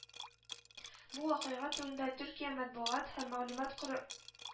Бу вакыйга турында Төркия матбугат һәм мәгълүмат коры